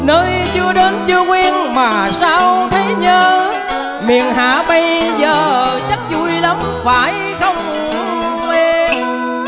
nơi chưa đến chưa quen mà sao thấy nhớ miền hạ bây giờ chắc vui lắm phải không em